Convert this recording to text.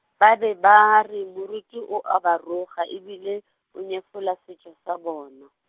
ba be ba re moruti o a ba roga e bile, o nyefola setšo sa bona.